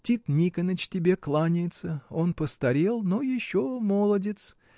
Тит Никоныч тебе кланяется: он постарел, но еще молодец.